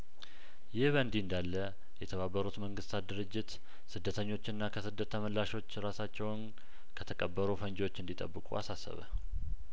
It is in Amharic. ይህ በእንዲህ እንዳለ የተባበሩት መንግስታት ድርጅት ስደተኞችና ከስደት ተመላሾች እራሳቸውን ከተቀበሩ ፈንጂዎች እንዲጠብቁ አሳሰበ